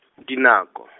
dinako .